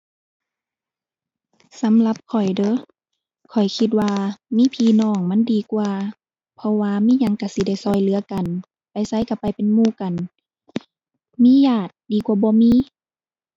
สำหรับข้อยเด้อ ข้อยคิดว่ามีพี่น้องมันดีกว่า เพราะว่ามีหยังก็สิได้ก็เหลือกัน ไปไสก็ไปเป็นหมู่กัน มีญาติดีกว่าบ่มี